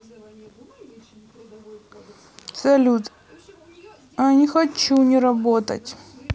салют а не хочу не работать